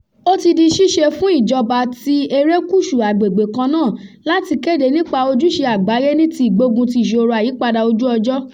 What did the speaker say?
Ó ti di ṣíṣe fún ìjọba ti erékùṣù agbègbè kan náà láti kéde nípa ojúṣe àgbáyé ní ti ìgbógunti ìṣòro àyípadà ojú-ọjọ́.